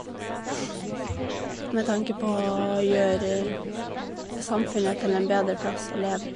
Med tanke på å gjøre samfunnet til en bedre plass å leve.